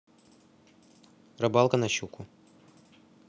рыбалка на щуку